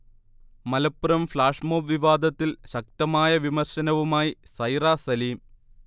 Malappuram flash mob വിവാദത്തിൽ ശക്തമായ വിമർശനവുമായി സൈറ സലീം